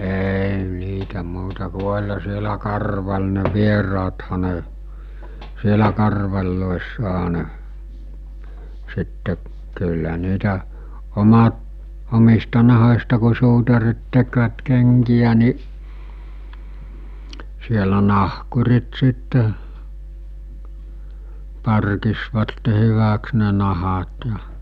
ei niitä muuta kuin olihan siellä karvari ne vieraathan ne siellä karvareissahan ne sitten kyllä niitä omat omista nahoista kun suutarit tekivät kenkiä niin siellä nahkurit sitten parkitsivat hyväksi ne nahat ja